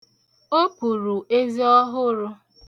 O puru eze ọhụrụ.